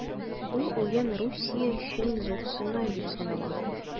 Бу уен Русия өчен зур сынау дип санала.